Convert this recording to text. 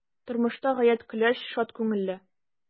Тормышта гаять көләч, шат күңелле.